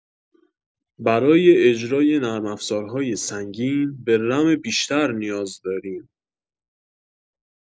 برای اجرای نرم افزارهای سنگین، به رم بیشتر نیاز داریم.